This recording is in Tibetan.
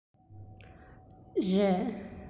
ཡིན གསོལ ཇ མངར མོ རེད པས